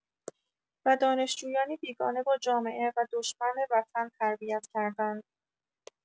و دانشجویانی بیگانه با جامعه و دشمن وطن تربیت کردند!